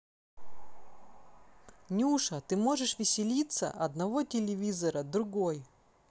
nyusha ты можешь веселиться одного телевизора другой